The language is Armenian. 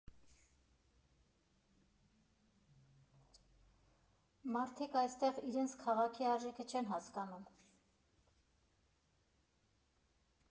Մարդիկ այստեղ իրենց քաղաքի արժեքը չեն հասկանում։